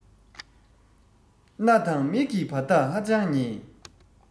སྣ དང མིག གི བར ཐག ཧ ཅང ཉེ